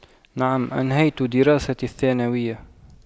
نعم أنهيت دراستي الثانوية